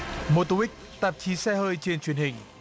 mô tô guých tạp chí xe hơi trên truyền hình